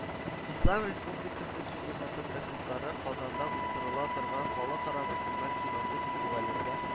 Ислам Республикасы кинематографистлары Казанда уздырыла торган Халыкара мөселман киносы фестивалендә